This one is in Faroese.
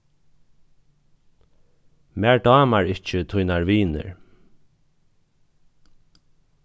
mær dámar ikki tínar vinir